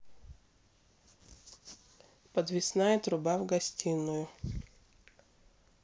подвесная тумба в гостинную